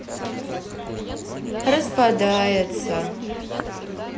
распадается